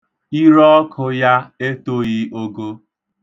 Irọọkụ ya etoghị ogo.